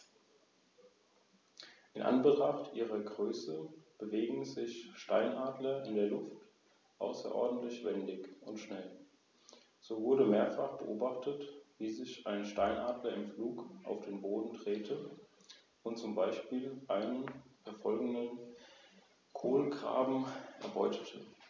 Grundfarbe des Gefieders ist ein einheitliches dunkles Braun.